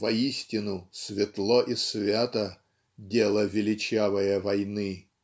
"воистину светло и свято дело величавое войны".